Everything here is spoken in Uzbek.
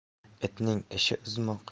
itning ishi uzmoq